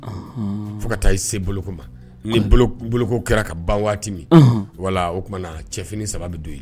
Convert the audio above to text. Fo ka taa i se boloko ni boloko kɛra ka ban waati min wala oumana cɛfini saba bɛ don yen